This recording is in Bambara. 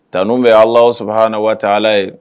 Tanun bɛ ala saba ni waa ala ye